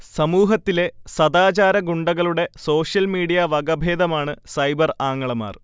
സമൂഹത്തിലെ സദാചാരഗുണ്ടകളുടെ social media വകഭേദമാണു സൈബർ ആങ്ങളമാർ